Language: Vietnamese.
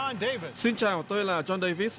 xin chào tôi là don đe vít